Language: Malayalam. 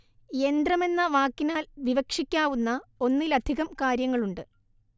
യന്ത്രം എന്ന വാക്കിനാല്‍ വിവക്ഷിക്കാവുന്ന ഒന്നിലധികം കാര്യങ്ങളുണ്ട്